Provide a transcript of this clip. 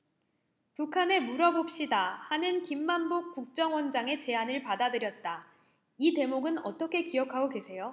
북한에 물어봅시다 하는 김만복 국정원장의 제안을 받아들였다 이 대목은 어떻게 기억하고 계세요